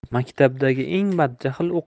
maktabdagi eng badjahl